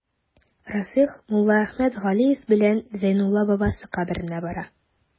Расих Муллаәхмәт Галиев белән Зәйнулла бабасы каберенә бара.